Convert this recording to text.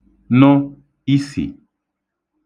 nụ isì